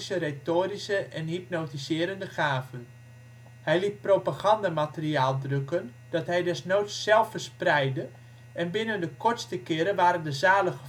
retorische en hypnotiserende gaven. Hij liet propagandamateriaal drukken dat hij desnoods zelf verspreidde en binnen de kortste keren waren de zalen